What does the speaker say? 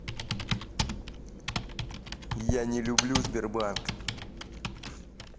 я не люблю сбербанк